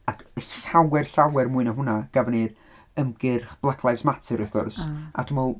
Ac llawer, llawer, mwy na hwnna gafon ni ymgyrch Black Lives Matter wrth gwrs a dwi'n meddwl...